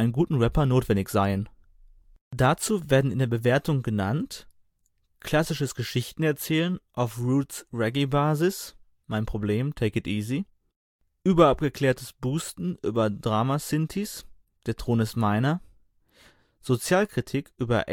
guten Rapper notwendig seien. Dazu werden in der Bewertung genannt: „ Klassisches Geschichten-Erzählen auf Roots Reggae-Basis (Mein Problem (Take it easy)), überabgeklärtes Boosten über Drama-Synthies (Der Thron ist meiner), Sozialkritik über